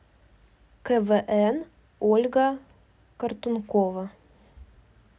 квн ольга картункова